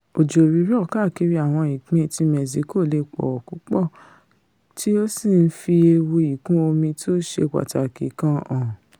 Òjò-rírọ̀ káàkiri àwọn ìpin ti Mẹ́ṣíkò leè pọ púpọ̀, tí ó sì ń fi ewu ìkún-omi tóṣe pàtakì kàn hàn.